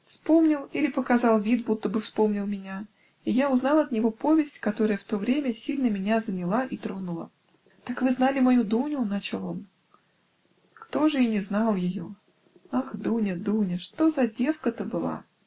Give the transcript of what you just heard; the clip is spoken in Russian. вспомнил или показал вид, будто бы вспомнил меня, и я узнал от него повесть, которая в то время сильно меня заняла и тронула. "Так вы знали мою Дуню? -- начал он. -- Кто же и не знал ее? Ах, Дуня, Дуня! Что за девка-то была!